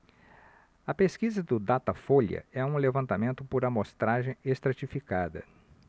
a pesquisa do datafolha é um levantamento por amostragem estratificada